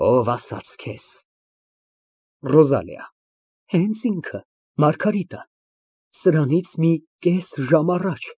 Ո՞վ ասաց քեզ։ ՌՈԶԱԼԻԱ ֊ Հենց ինքը Մարգարիտը, սրանից մի կես ժամ առաջ։